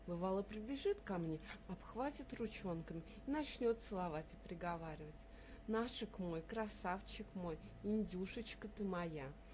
Бывало, прибежит ко мне, обхватит ручонками и начнет целовать и приговаривать: -- Нашик мой, красавчик мой, индюшечка ты моя.